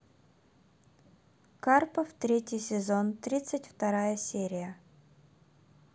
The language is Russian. карпов третий сезон тридцать вторая серия